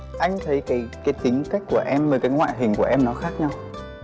anh thấy cái cái tính cách của em mới cái ngoại hình của em nó khác nhau